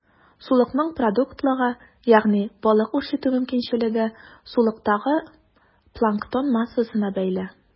Сулыкның продуктлылыгы, ягъни балык үрчетү мөмкинчелеге, сулыктагы планктон массасына бәйле.